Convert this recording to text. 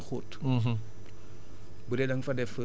parce que sorgho moom ay reenam moo gën a xóot